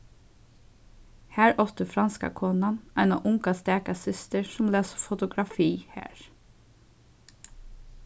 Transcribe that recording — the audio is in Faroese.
har átti franska konan eina unga staka systir sum las fotografi har